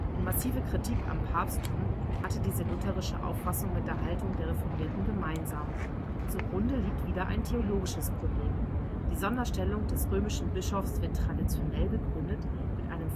Die massive Kritik am Papsttum hatte diese lutherische Auffassung mit der Haltung der Reformierten gemeinsam. Zugrunde liegt wieder ein theologisches Problem: Die Sonderstellung des römischen Bischofs wird traditionell begründet mit Mt